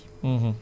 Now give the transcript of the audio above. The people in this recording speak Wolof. Fatou Sow